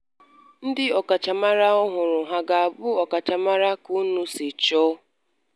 Ndị ọkachamara ọhụrụ a ha ga-abụ ọkachamara ka unu siri chọ?